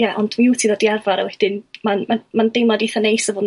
ie ond mi wti'n dod i arfar wedyn ma', ma'n, ma'n deimloa eitha' neis a fod yn